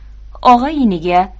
og'a iniga